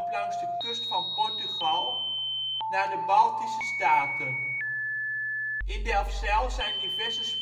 langs de kust van Portugal naar de Baltische staten. In Delfzijl zijn diverse